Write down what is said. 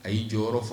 A y'i jɔyɔrɔ fɔ